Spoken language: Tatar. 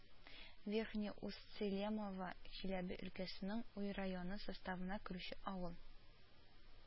Верхнеусцелемово Чиләбе өлкәсенең Уй районы составына керүче авыл